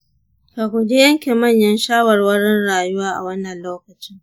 ka guji yanke manyan shawarwarin rayuwa a wannan lokacin.